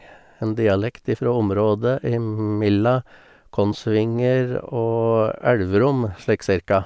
En dialekt ifra området imellom Kongsvinger og Elverum, slik cirka.